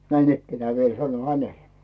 näinikään vielä sanoin hänelle